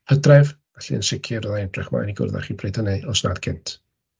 Mis Hydref, felly yn sicr fydda i'n edrych ymlaen i gwrdd â chi bryd hynny os nad cynt.